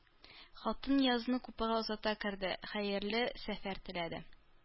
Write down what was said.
Хатын Ниязны купега озата керде, хәерле сәфәр теләде